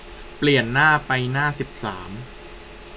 เปลี่ยนหน้าไปหน้าสิบสาม